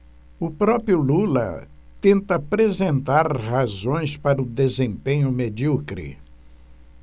o próprio lula tenta apresentar razões para o desempenho medíocre